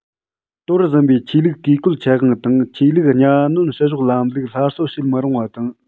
དོར ཟིན པའི ཆོས ལུགས བཀས བཀོད ཁྱད དབང དང ཆོས ལུགས གཉའ གནོན བཤུ གཞོག ལམ ལུགས སླར གསོ བྱེད མི རུང བ དང